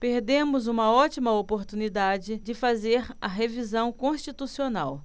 perdemos uma ótima oportunidade de fazer a revisão constitucional